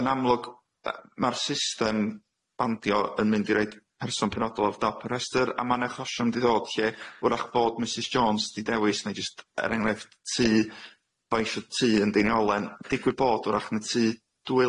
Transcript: Yn amlwg yy ma'r system bandio yn mynd i roid person penodol ar dop yr rhestyr a ma'n achosion mynd i ddod lle wrach bod Mrs Jones di dewis neu jyst er enghraifft tŷ boisodd tŷ yn Deiniolen digwydd bod wrach na tŷ dwy